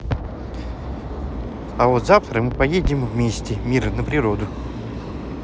а вот завтра мы поедем всесте мир на природу